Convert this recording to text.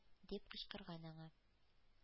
Дип кычкырган аңа.